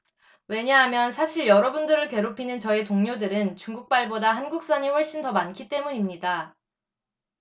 왜냐하면 사실 여러분들을 괴롭히는 저의 동료들은 중국발보다 한국산이 훨씬 더 많기 때문입니다